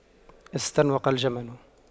استنوق الجمل